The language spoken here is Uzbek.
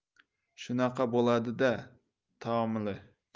shunaqa bo'ladi da taomili